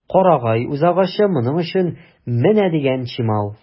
Карагай үзагачы моның өчен менә дигән чимал.